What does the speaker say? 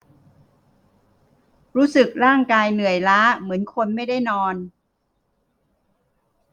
รู้สึกร่างกายเหนื่อยล้าเหมือนคนไม่ได้นอน